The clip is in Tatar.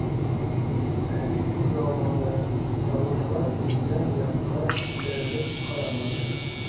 Әби кузгалмады, тавышлар килгән якка күтәрелеп карамады.